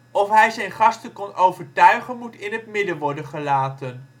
Of hij zijn gasten kon overtuigen, moet in het midden worden gelaten